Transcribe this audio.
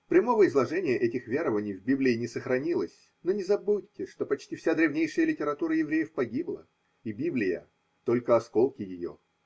Прямого изложения этих верований в Библии не сохранилось, но не забудьте, что почти вся древнейшая литература евреев погибла, и Библия – только осколки ее.